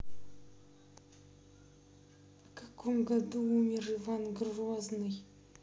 в каком году умер иван грозный